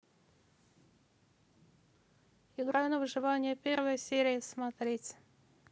игра на выживание первая серия смотреть